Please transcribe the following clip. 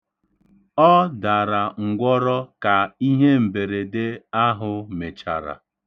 Ọ dara ngwọrọ ka ihemberede ahụ mechara.